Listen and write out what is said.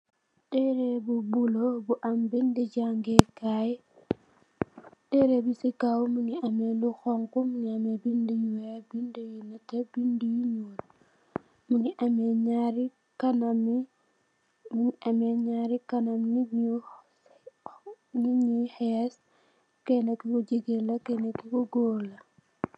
tere bu bulo, bu am bindi jangeh kai, tere bi ci kaw mungi ame lu khonkhu, bindi yu weex bindi yu nete bindi yu nul, mungi ame kanami nyari nit yu khes, kenaki ku jigen la kenaki ku gorr la.